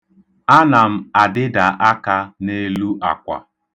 Ana m adịda aka n'elu akwa.